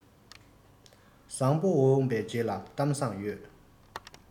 བཟང པོ འོངས པའི རྗེས ལ གཏམ བཟང ཡོད